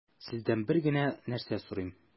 Сездән бер генә нәрсә сорыйм: